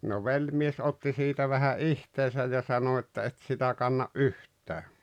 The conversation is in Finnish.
no velimies otti siitä vähän itseensä ja sanoi että et sitä kanna yhtään